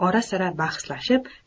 ora sira bahslashib